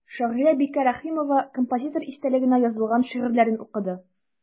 Шагыйрә Бикә Рәхимова композитор истәлегенә язылган шигырьләрен укыды.